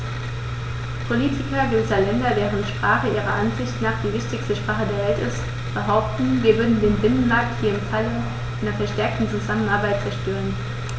Politiker gewisser Länder, deren Sprache ihrer Ansicht nach die wichtigste Sprache der Welt ist, behaupten, wir würden den Binnenmarkt hier im Falle einer verstärkten Zusammenarbeit zerstören.